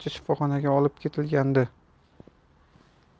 shifoxonaga olib ketilgandi